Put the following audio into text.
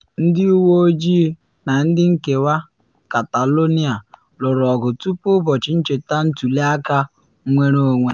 Ndị uwe ojii na ndị nkewa Catalonia lụrụ ọgụ tupu ụbọchị ncheta ntuli aka nnwere onwe